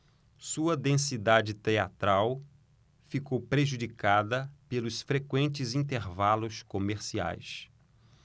sua densidade teatral ficou prejudicada pelos frequentes intervalos comerciais